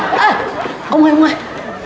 ế ông ơi ông ơi